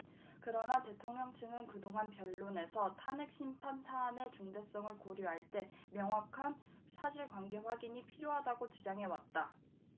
그러나 대통령 측은 그동안 변론에서 탄핵심판 사안의 중대성을 고려할 때 명확한 사실관계 확인이 필요하다고 주장해왔다